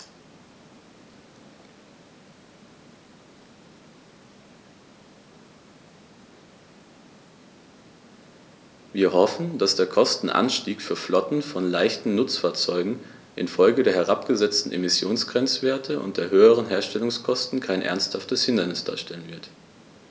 Wir hoffen, dass der Kostenanstieg für Flotten von leichten Nutzfahrzeugen in Folge der herabgesetzten Emissionsgrenzwerte und der höheren Herstellungskosten kein ernsthaftes Hindernis darstellen wird.